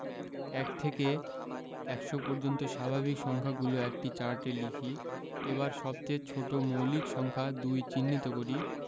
১ থেকে ১০০ পর্যন্ত স্বাভাবিক সংখ্যাগুলো একটি চার্টে লিখি এবার সবচেয়ে ছোট মৌলিক সংখ্যা ২ চিহ্নিত করি